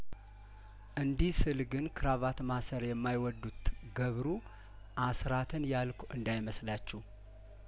እንዲህ ስል ግን ክራቫት ማሰር የማይወዱት ገብሩ አስራትን ያልኩ እንዳይመስላችሁ